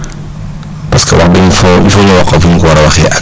parce que wax bi ñu * il faut ñu wax ko fi ñu ko war a waxee ak